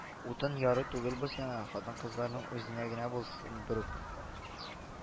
Утын яру түгел бу сиңа. хатын-кызның үзенә генә булсын берүк